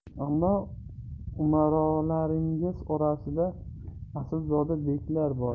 ammo umarolaringiz orasida asilzoda beklar bor